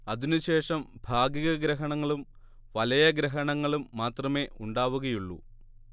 അതിനുശേഷം ഭാഗികഗ്രഹണങ്ങളും വലയഗ്രഹണങ്ങളും മാത്രമേ ഉണ്ടാവുകയുള്ളൂ